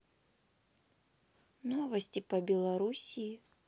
новости по белоруссии